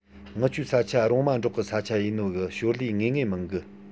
ངུ ཆའི ས ཆ ད རོང མ འབྲོག གི ས ཆ ཡིན ནོ གིས ཞོར ལས ངེས ངེས མང གི